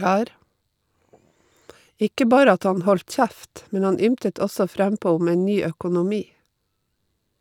Ikke bare at han holdt kjeft, men han ymtet også frempå om en ny økonomi.